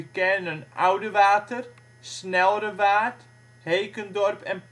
kernen Oudewater, Snelrewaard, Hekendorp en